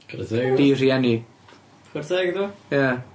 Chware teg iddo fo. Di-rhieni. Cwhare teg iddo fo. Ie.